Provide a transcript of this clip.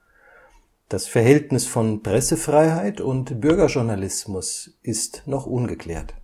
Das Verhältnis von Pressefreiheit und Bürgerjournalismus (Beispiel: Modell der OhmyNews) ist noch ungeklärt